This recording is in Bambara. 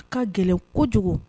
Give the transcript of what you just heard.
A ka gɛlɛn kojugu